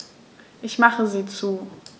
Ich mache sie zu.